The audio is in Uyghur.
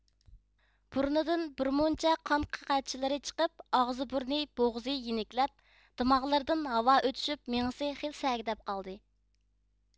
بۇرنىدىن بىرمۇنچە قان قەقەچلىرى چىقىپ ئاغزى بۇرنى بوغۇزى يېنىكلەپ دىماغلىرىدىن ھاۋا ئۆتۈشۈپ مېڭىسى خېلى سەگىدەپ قالدى